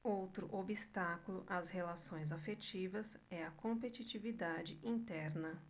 outro obstáculo às relações afetivas é a competitividade interna